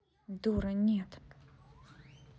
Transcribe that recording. дура нет